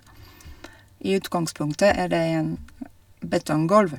I utgangspunktet er det en betonggolv.